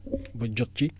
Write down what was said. ba jot ci